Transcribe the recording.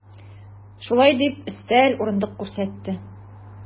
Шулай дип, өстәл, урындык күрсәтте.